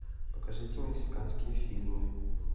покажите мексиканские фильмы